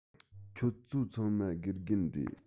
ཁྱོད ཚོ ཚང མ དགེ རྒན རེད